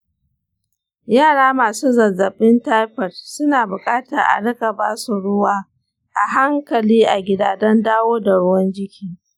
yara masu zazzabin taifot suna buƙatar a riƙa ba su ruwa a hankali a gida don dawo da ruwan jiki.